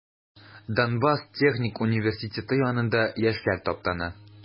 Донбасс техник университеты янында яшьләр таптана.